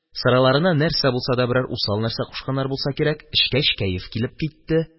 Сыраларына нәрсә булса да берәр усал нәрсә кушканнар булса кирәк – эчкәч, кәеф килеп китте.